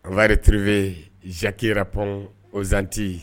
An wɛrɛritiure zaniakie pɔn ozsante